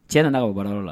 Cɛ nana ka bɔ baara yɔrɔ la.